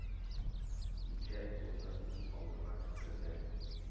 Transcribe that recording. Ике улымны күз алдыма китердем,